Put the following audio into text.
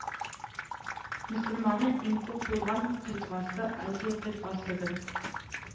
Мөселманы иң күп булган кыйтгасы, Азия кыйтгасыдыр